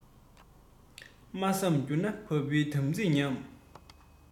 མ བསམས གྱུར ན ཕ བུའི དམ ཚིགས ཉམས